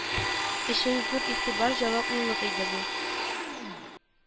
Өчен зур игътибар, җаваплылык иде бу